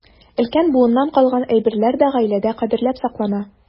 Өлкән буыннан калган әйберләр дә гаиләдә кадерләп саклана.